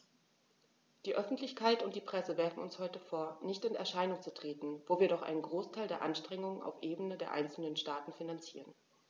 Die Öffentlichkeit und die Presse werfen uns heute vor, nicht in Erscheinung zu treten, wo wir doch einen Großteil der Anstrengungen auf Ebene der einzelnen Staaten finanzieren.